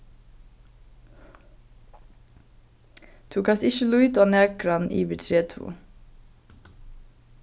tú kanst ikki líta á nakran yvir tretivu